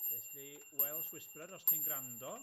Felly Welsh Whisperer, os ti'n gwrando